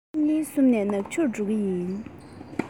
ཉིན གཉིས གསུམ ནས ནག ཆུར འགྲོ གི ཡིན